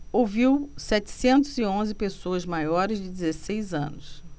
ouviu setecentos e onze pessoas maiores de dezesseis anos